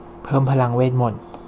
เพิ่มพลังเวทมนต์